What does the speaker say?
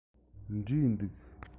འབྲས འདུག